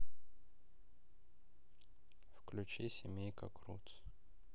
включи семейка крудс